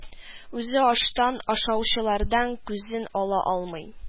Үзе аштан, ашаучылардан күзен ала алмый